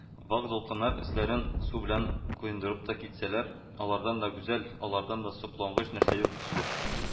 Вак дулкыннар өсләрен су белән коендырып та китсәләр, алардан да гүзәл, алардан да соклангыч нәрсә юк төсле